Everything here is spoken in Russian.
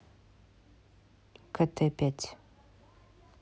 кт пять